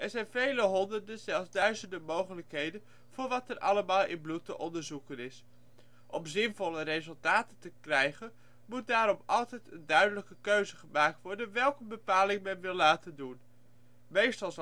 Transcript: zijn vele honderden, zelfs duizenden, mogelijkheden voor wat er allemaal in bloed te onderzoeken is. Om zinvolle resultaten te krijgen moet daarom altijd een duidelijke keuze worden gemaakt welke bepaling men wil laten doen; meestal